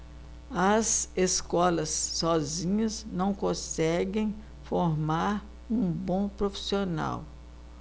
as escolas sozinhas não conseguem formar um bom profissional